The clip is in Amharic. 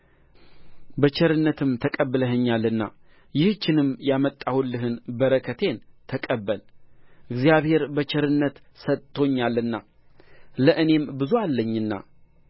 በቸርነትም ተቀብለኸኛልና ይህችንም ያመጣሁልህን በረከቴን ተቀበል እግዚአብሔር በቸርነት ሰጥቶኛልና ለእኔም ብዙ አለኝና